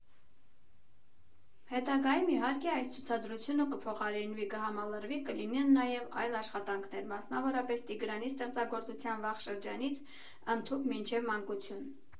Հետագայում, իհարկե, այս ցուցադրությունը կփոխարինվի, կհամալրվի, կլինեն նաև այլ աշխատանքներ, մասնավորապես Տիգրանի ստեղծագործության վաղ շրջանից, ընդհուպ մինչև մանկություն։